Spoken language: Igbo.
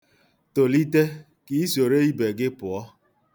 Tolite ka i soro ibe gị pụọ.